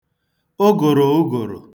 ụgụ̀rụ̀ ụgụ̀rụ̀